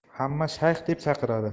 hamma shayx deb chaqiradi